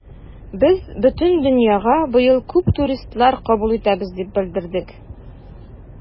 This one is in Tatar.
Без бөтен дөньяга быел күп туристлар кабул итәбез дип белдердек.